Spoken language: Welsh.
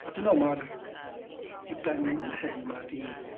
A dwi'n meddwl mai'r diben heddiw 'ma ydy...